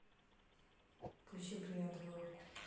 включи бриллиантовую руку